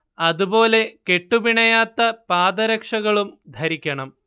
അതുപോലെ കെട്ട് പിണയാത്ത പാദരക്ഷകളും ധരിക്കണം